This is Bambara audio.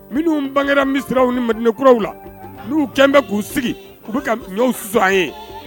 Minnu bangera misi siraw ni mande kuraw la n'u kɛlen bɛ k'u sigi u bɛ ɲɔ su ye